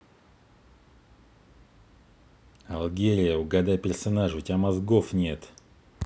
alegria угадай персонажа у тебя мозгов нет